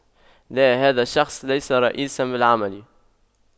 لا هذا الشخص ليس رئيسا بالعمل